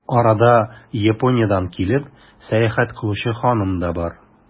Арада, Япониядән килеп, сәяхәт кылучы ханым да бар.